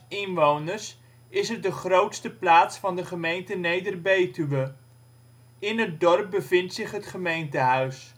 inwoners is het de grootste plaats van de gemeente Neder-Betuwe. In het dorp bevindt zich het gemeentehuis